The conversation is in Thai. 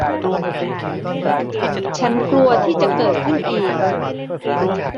ฉันกลัวที่จะเกิดขึ้นอีก